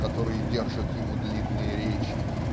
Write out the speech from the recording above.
которые держат ему длинные речи.